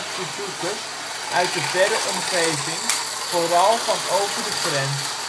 bezoekers uit de verre omgeving, vooral van over de grens